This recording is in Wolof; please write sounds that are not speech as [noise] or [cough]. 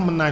[hesitation] [hesitation]